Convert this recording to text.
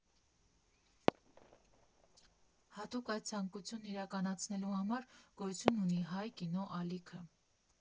Հատուկ այդ ցանկությունն իրականացելու համար գոյությունի ունի Հայ կինո ալիքը։